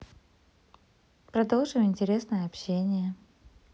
продолжим интересное общение